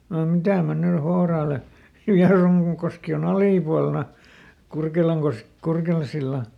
no mitä minä nyt hourailen Vierunkoski on alipuolella - Kurkelansillan